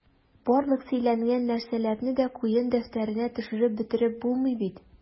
Барлык сөйләнгән нәрсәләрне дә куен дәфтәренә төшереп бетереп булмый бит...